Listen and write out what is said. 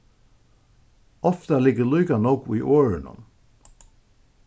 ofta liggur líka nógv í orðunum